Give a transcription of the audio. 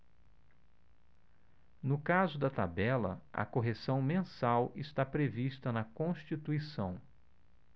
no caso da tabela a correção mensal está prevista na constituição